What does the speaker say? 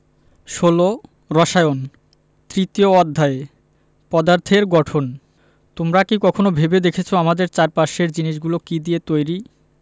১৬ রসায়ন তৃতীয় অধ্যায় পদার্থের গঠন তোমরা কি কখনো ভেবে দেখেছ আমাদের চারপাশের জিনিসগুলো কী দিয়ে তৈরি